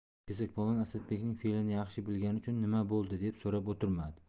kesakpolvon asadbekning fe'lini yaxshi bilgani uchun nima bo'ldi deb so'rab o'tirmadi